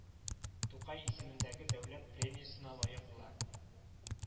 Тукай исемендәге Дәүләт премиясенә лаек була